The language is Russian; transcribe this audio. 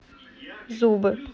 зубы